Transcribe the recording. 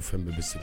O fɛn bɛɛ bɛ se